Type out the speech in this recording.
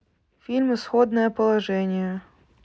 фильм исходное положение